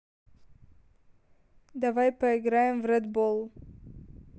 давай поиграем в рэд бол